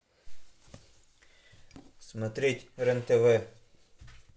смотреть рен тв